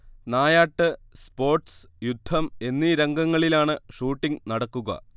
നായാട്ട്, sports, യുദ്ധം എന്നീ രംഗങ്ങളിലാണ് ഷൂട്ടിംഗ് നടക്കുക